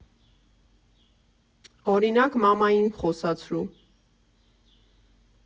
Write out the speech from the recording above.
Օրինակ՝ մամային խոսացրու։